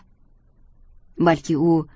balki u